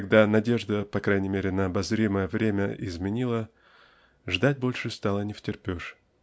когда надежда по крайней мере на обозримое время изменила ждать больше стало невтерпеж.